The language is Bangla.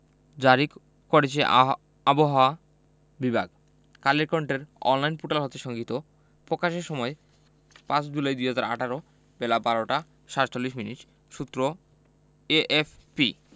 জারি করেছে আহ আবহাওয়া বিভাগ কালের কন্ঠের অনলাইন পোর্টাল হতে সংগৃহীত প্রকাশের সময় ৫ জুলাই ২০১৮ বেলা ১২টা ৪৭ মিনিট সূত্র এএফপি